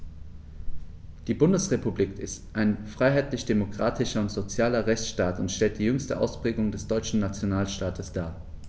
Die Bundesrepublik ist ein freiheitlich-demokratischer und sozialer Rechtsstaat und stellt die jüngste Ausprägung des deutschen Nationalstaates dar.